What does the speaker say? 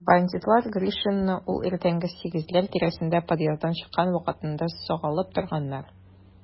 Бандитлар Гришинны ул иртәнге сигезләр тирәсендә подъезддан чыккан вакытында сагалап торганнар.